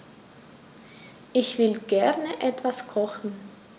Ich will gerne etwas kochen.